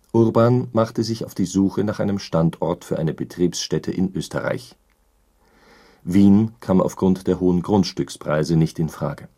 Urban machte sich auf die Suche nach einem Standort für eine Betriebsstätte in Österreich, Wien kam aufgrund der hohen Grundstückspreise nicht in Frage